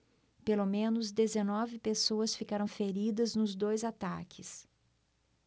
pelo menos dezenove pessoas ficaram feridas nos dois ataques